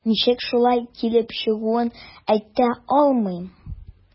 Ничек шулай килеп чыгуын әйтә алмыйм.